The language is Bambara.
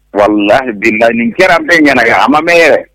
Wala den nin kɛra bɛ ɲɛnaga a mɛn